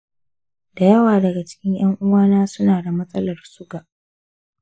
da yawa daga cikin ƴan-uwana suna da matsalar suga.